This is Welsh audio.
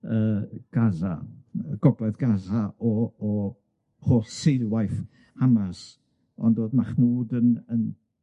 yy Gaza yy gogledd Gaza o o holl seilwaith Hamas ond o'dd Machnwd yn yn